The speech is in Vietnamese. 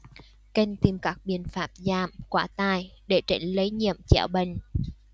cần tìm các biện pháp giảm quá tải để tránh lây nhiễm chéo bệnh